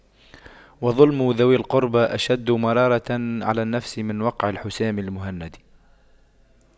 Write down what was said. وَظُلْمُ ذوي القربى أشد مرارة على النفس من وقع الحسام المهند